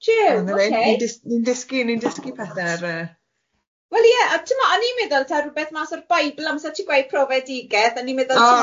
Jew ok... Ni'n dys- ni'n dysgu ni'n dysgu pethe ar yy. ...wel ie a t'mo' o'n i'n meddwl taw rwbeth mas o'r Bible amser ti'n gweud profedigeth o'n i'n meddwl t'mod... O reit ie.